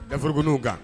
Dafurugununw kan